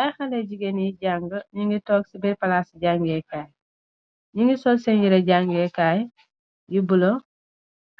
Ay xale jigén yuy jànge ñu ngi toog ci bérpalaas ci jangeekaay ñu ngi sol seen yire jangeekaay yu bula